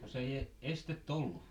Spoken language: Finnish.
jos ei estettä ollut